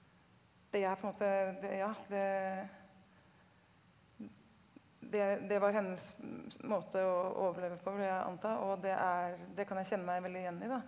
det er på en måte det ja det det det var hennes måte å overleve på vil jeg anta og det er det kan jeg kjenne meg veldig igjen i da.